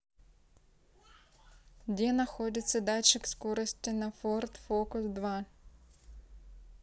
где находится датчик скорости на ford focus два